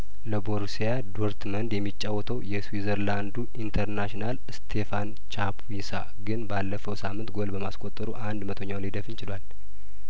ለቦ ሩስያዶርትመንድ የሚጫወተው የስዊዘርላንዱ ኢንተርናሽናል ስቴፋን ቻፕዊሳ ግን ባለፈው ሳምንት ጐል በማስቆጠሩ አንድ መቶኛውን ሊደፍን ችሏል